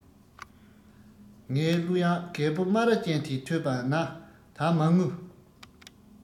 ངའི གླུ དབྱངས རྒད པོ སྨ ར ཅན དེས ཐོས པ ན ད མ ངུ